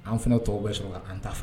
An fana tɔw bɛ sɔrɔ ka an ta fɛ